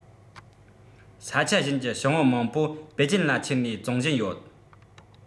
ས ཆ གཞན ཀྱི བྱང བུ མང པོ པེ ཅིན ལ ཁྱེར ནས བཙོང བཞིན ཡོད